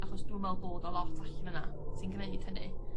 Achos dw me'wl bod 'na lot allan yna sy'n gneud hynny.